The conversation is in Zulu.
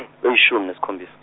eyishumi nesikhombisa.